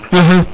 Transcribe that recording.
axa